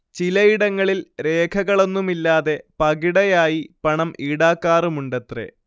ചിലയിടങ്ങളിൽ രേഖകളൊന്നുമില്ലാതെ 'പകിട'യായി പണം ഈടാക്കാറുമുണ്ടത്രെ